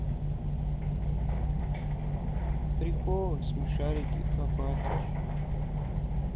приколы смешарики копатыч